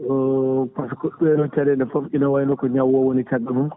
par ce que ɗeɗo cavele foof ina wayno ko ñaw o woni caggal mum